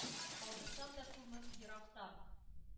Калдырсам да күмеп еракта